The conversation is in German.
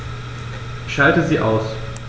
Ich schalte sie aus.